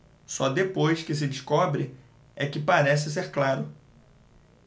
só depois que se descobre é que parece ser claro